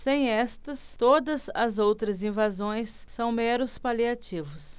sem estas todas as outras invasões são meros paliativos